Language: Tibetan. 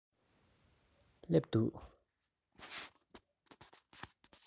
སླེབས བཞག